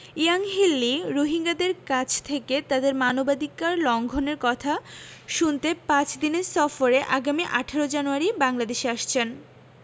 Yanghee Lee রোহিঙ্গাদের কাছ থেকে তাদের মানবাধিকার লঙ্ঘনের কথা শুনতে পাঁচ দিনের সফরে আগামী ১৮ জানুয়ারি বাংলাদেশে আসছেন